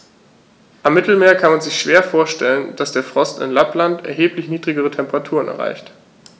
Am Mittelmeer kann man sich schwer vorstellen, dass der Frost in Lappland erheblich niedrigere Temperaturen erreicht.